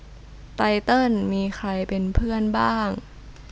ไตเติ้ลมีใครเป็นเพื่อนบ้าง